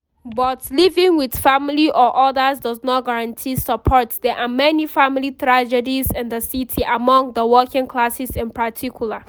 But living with family or others does not guarantee support. There are many family tragedies in the city, among the working classes, in particular.